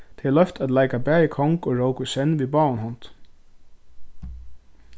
tað er loyvt at leika bæði kong og rók í senn við báðum hondum